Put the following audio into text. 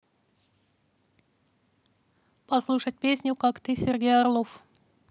послушать песню как ты сергей орлов